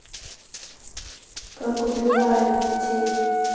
как убивают детей